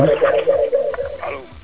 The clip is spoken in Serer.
alo